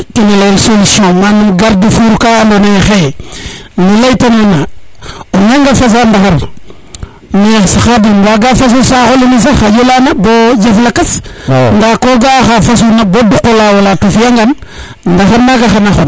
trouver solution manam garde a ful ka nado naye xaye ne leyta numa o naga fasa ndaxar Khadim waga faso saxolene sax xaƴo lana bo jaf lakas nda ko ga a oxa fasuna bo duqo lawola to o fiya ngan ndaxar naga xana xon